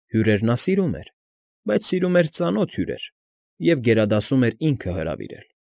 Հյուրեր նա սիրում էր, բայց սիրում էր ծանոթ հյուրեր և գերադասում էր ինքը հրավիրել։